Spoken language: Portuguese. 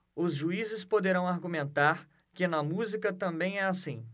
os juízes poderão argumentar que na música também é assim